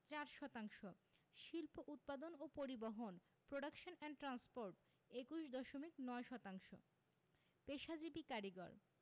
৪ শতাংশ শিল্প উৎপাদন ও পরিবহণ প্রোডাকশন এন্ড ট্রান্সপোর্ট ২১ দশমিক ৯ শতাংশ পেশাজীবী কারিগরঃ